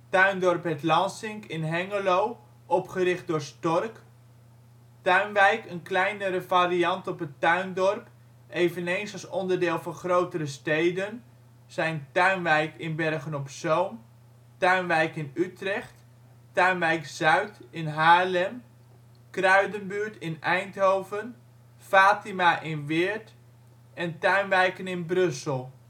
Tuindorp Het Lansink in Hengelo opgericht door Stork. Tuinwijk, een kleinere variant van het tuindorp, eveneens als onderdeel van grote (re) steden Tuinwijk (Bergen op Zoom) Tuinwijk (Utrecht) Tuinwijk-Zuid Haarlem Kruidenbuurt in Eindhoven Fatima in Weert Tuinwijken in Brussel